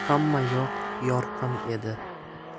xamma yoq yorqin edi